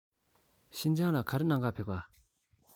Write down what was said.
ཤིན ཅང ལ ག རེ གནང ག ཕེབས འགྲོ ག